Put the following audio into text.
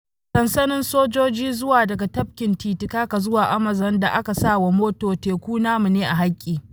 Sansanonin sojojin ruwa daga Tabkin Titicaca zuwa Amazon da aka sa wa motto: “Teku namu ne a haƙƙi.